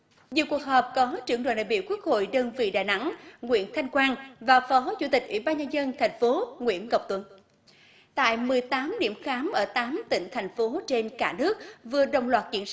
nhiều cuộc họp có trưởng đoàn đại biểu quốc hội đơn vị đà nẵng nguyễn thanh quang và phó chủ tịch ủy ban nhân dân thành phố nguyễn ngọc tuấn tại mười tám điểm khám ở tám tỉnh thành phố trên cả nước vừa đồng loạt triển